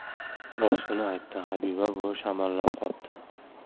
rostini aytdi habiba buvi shamollab qopti